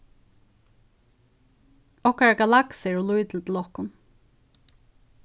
okkara galaksa er ov lítil til okkum